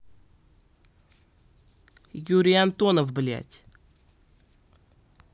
юрий антонов блять